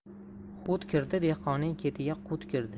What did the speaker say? hut kirdi dehqonning ketiga quit kirdi